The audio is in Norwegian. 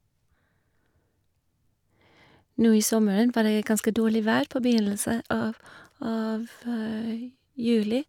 Nå i sommeren var det ganske dårlig vær på begynnelse av av juli.